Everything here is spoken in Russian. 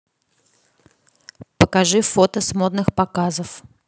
покажи фотки с модных показов